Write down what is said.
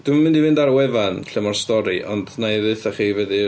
Dwi ddim yn mynd i fynd ar y wefan lle ma'r stori ond nai ddeud wrtha chi be' 'di'r...